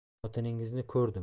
xotiningizni ko'rdim